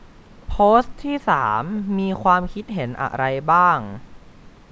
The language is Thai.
โพสต์ที่สามมีความคิดเห็นอะไรบ้าง